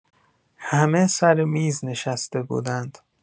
همه سر میز نشسته بودند.